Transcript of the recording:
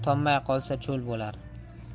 tommay qolsa cho'l bo'lar